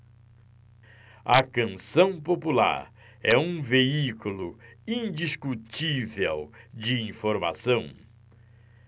a canção popular é um veículo indiscutível de informação